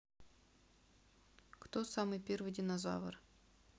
кто самый первый динозавр